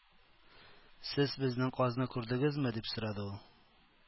"сез безнең казны күрдегезме" дип сорады ул